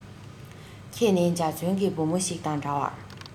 ཁྱེད ནི འཇའ ཚོན གྱི བུ མོ ཞིག དང འདྲ བར